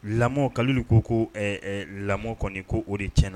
Lamɔ kaolu ko ko lamɔ kɔni ko oo de tiɲɛna